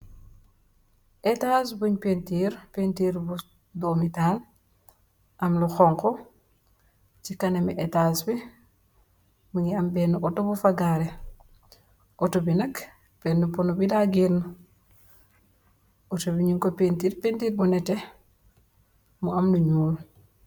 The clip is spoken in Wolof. Ètas buñ pentir, pentir bu doomi tahal am lu xonxu ci kanami ètas bi. Mugii am benna Otto bu fa garreh. Otto bi nak benna puena bi da genna, Otto bi ñing ko pentir pentir bu netteh mu am lu ñuul.